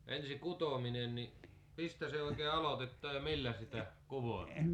ensi kutominen niin mistä se oikein aloitetaan ja millä sitä kudotaan